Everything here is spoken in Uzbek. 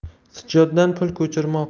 schyotdan pul ko'chirmoq